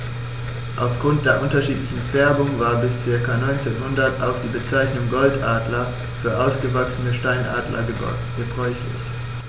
Auf Grund der unterschiedlichen Färbung war bis ca. 1900 auch die Bezeichnung Goldadler für ausgewachsene Steinadler gebräuchlich.